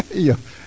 iyo